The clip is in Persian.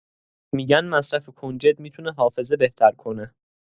می‌گن مصرف کنجد می‌تونه حافظه بهتر کنه!